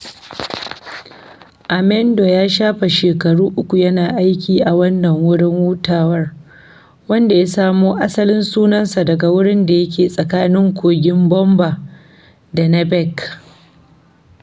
Amendo ya shafe shekara uku yana aiki a wannan wurin hutawar, wanda ya samo asalin sunansa daga wurin da yake tsakanin kogin Boumba da na Bek.